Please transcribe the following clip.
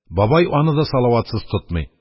Бабай аны да салаватсыз тотмый,